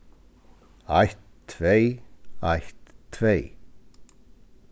eitt tvey eitt tvey